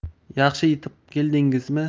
yaxshi yetib keldingizmi